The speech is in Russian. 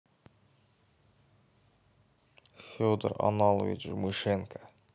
федор аналович жмышенко